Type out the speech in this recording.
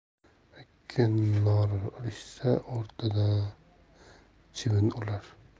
ikki nor urishsa o'rtada chivin o'lar